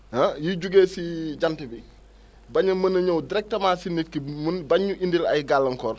ah yuy jugee si jant bi bañ a mën a ñëw directement si nit ki mën bañ ñu indil ay gàllankoor